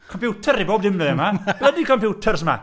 Computer i bob dim ddyddiau yma. Bloody computers 'ma.